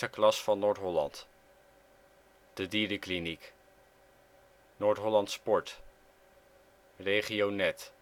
klas van Noord Holland De dierenkliniek Noord-Holland sport Regioned